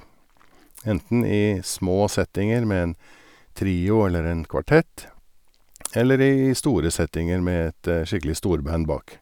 Enten i små settinger med en trio eller en kvartett, eller i store settinger med et skikkelig storband bak.